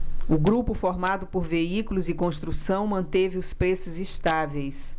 o grupo formado por veículos e construção manteve os preços estáveis